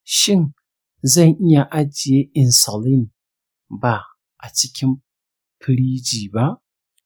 shin zan iya ajiye insulin ba a cikin firiji ba?